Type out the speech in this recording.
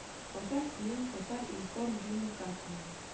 Казан июнь татар-информ римма гатина